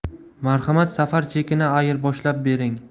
marhamat safar chekini ayirboshlab bering